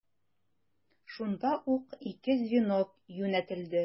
Шунда ук ике звено юнәтелде.